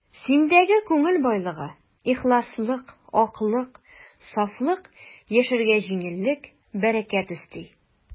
Синдәге күңел байлыгы, ихласлык, аклык, сафлык яшәргә җиңеллек, бәрәкәт өсти.